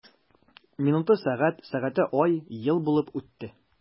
Минуты— сәгать, сәгате— ай, ел булып үтте.